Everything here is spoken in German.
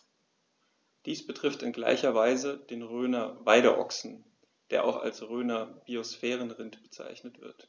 Dies betrifft in gleicher Weise den Rhöner Weideochsen, der auch als Rhöner Biosphärenrind bezeichnet wird.